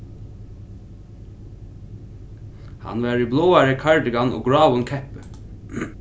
hann var í bláari kardigan og gráum keppi